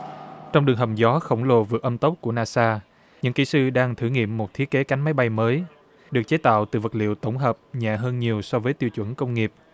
trong đường hầm gió khổng lồ vượt âm tốc của na sa những kỹ sư đang thử nghiệm một thiết kế cánh máy bay mới được chế tạo từ vật liệu tổng hợp nhẹ hơn nhiều so với tiêu chuẩn công nghiệp